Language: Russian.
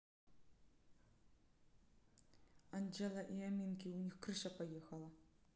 анджела и аминки у них крыша поехала